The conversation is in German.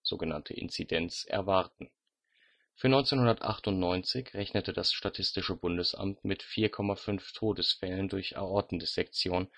Inzidenz) erwarten. Für 1998 rechnete das Statistische Bundesamt mit 4,5 Todesfällen durch Aortendissektion